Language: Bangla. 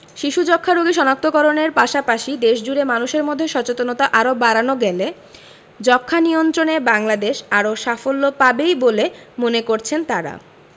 শিশু যক্ষ্ণারোগী শনাক্ত করণের পাশাপাশি দেশজুড়ে মানুষের মধ্যে সচেতনতা আরও বাড়ানো গেলে যক্ষ্মানিয়ন্ত্রণে বাংলাদেশ আরও সাফল্য পাবেই বলে মনে করছেন তারা